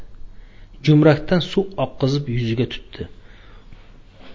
jumrakdan suv oqizib yuziga tutdi